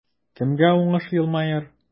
Кемгә уңыш елмаер?